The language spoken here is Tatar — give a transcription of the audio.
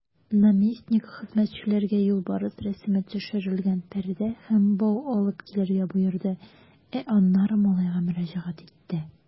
Наместник хезмәтчеләргә юлбарыс рәсеме төшерелгән пәрдә һәм бау алып килергә боерды, ә аннары малайга мөрәҗәгать итте.